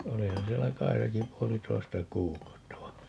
olihan siellä Kaisakin puolitoista kuukautta vaan